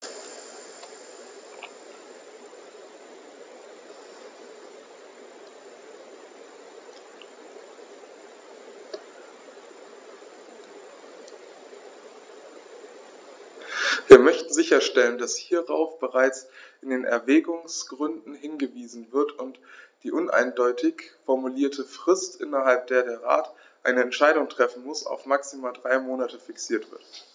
Wir möchten sicherstellen, dass hierauf bereits in den Erwägungsgründen hingewiesen wird und die uneindeutig formulierte Frist, innerhalb der der Rat eine Entscheidung treffen muss, auf maximal drei Monate fixiert wird.